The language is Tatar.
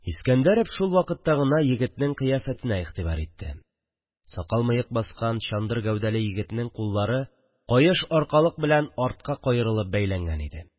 Искәндәрев шул вакытта гына егетнең кыяфәтенә игътибар итте: сакал-мыек баскан чандыр гәүдәле егетнең куллары каеш аркалык белән артка каерылып бәйләнгән иде